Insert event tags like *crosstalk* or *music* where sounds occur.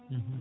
*hesitation* *hesitation*